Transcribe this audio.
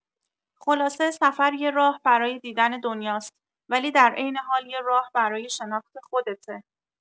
خلاصه، سفر یه راه برای دیدن دنیاست، ولی در عین حال یه راه برای شناخت خودته.